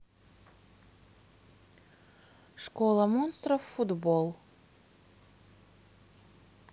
школа монстров футбол